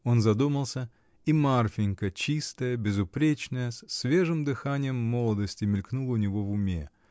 Он задумался, и Марфинька, чистая, безупречная, с свежим дыханием молодости, мелькнула у него в уме.